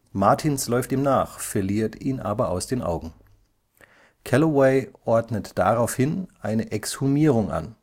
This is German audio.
Martins läuft ihm nach, verliert ihn aber aus den Augen. Calloway ordnet daraufhin eine Exhumierung an